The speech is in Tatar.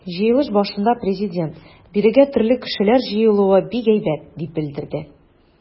Җыелыш башында Президент: “Бирегә төрле кешеләр җыелуы бик әйбәт", - дип белдерде.